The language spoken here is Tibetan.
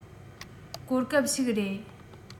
གོ སྐབས ཤིག རེད